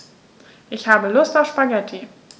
Ich habe Lust auf Spaghetti.